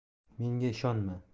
menga ishonma